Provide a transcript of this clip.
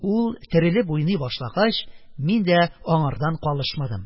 Ул, терелеп, уйный башлагач, мин дә аңардан калышмадым.